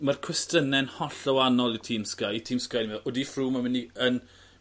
...ma'r cwestyne'n hollol wahanol i Team Sky Team Sky mae e odi Froome yn myn' i yn